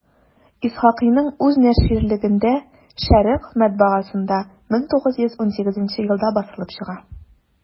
Исхакыйның үз наширлегендә «Шәрекъ» матбагасында 1918 елда басылып чыга.